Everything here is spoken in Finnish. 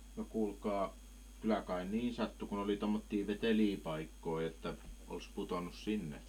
no kuulkaa kyllä kai niin sattui kun oli tuommoisia veteliä paikkoja että olisi pudonnut sinne